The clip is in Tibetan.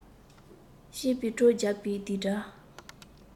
སྐྱིད པོའི བྲོ རྒྱག པའི རྡིག སྒྲ